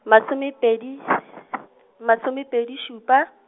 masome pedi , masome pedi šupa.